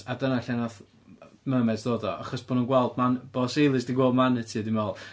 A dyna lle wnaeth mermaids ddod o, achos bod nhw'n gweld ma- bod sailors 'di gweld manatee a 'di meddwl...